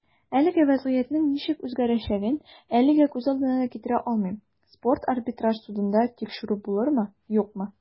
Әлеге вәзгыятьнең ничек үзгәрәчәген әлегә күз алдына да китерә алмыйм - спорт арбитраж судында тикшерү булырмы, юкмы.